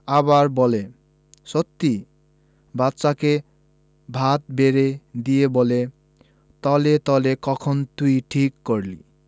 আবার বলে সত্যি বাদশাকে ভাত বেড়ে দিয়ে বলে তলে তলে কখন তুই ঠিক করলি